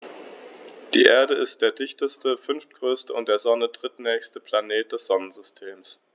Die Erde ist der dichteste, fünftgrößte und der Sonne drittnächste Planet des Sonnensystems.